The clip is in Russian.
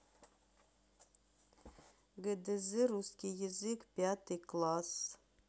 гдз русский язык пятый класс